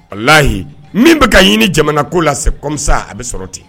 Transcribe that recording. A layi min bɛ ka ɲini jamana ko lase kɔmisa a bɛ sɔrɔ ten